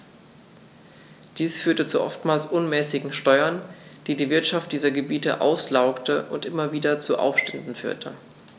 Dies führte zu oftmals unmäßigen Steuern, die die Wirtschaft dieser Gebiete auslaugte und immer wieder zu Aufständen führte.